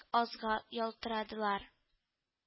Азга ялтырадылар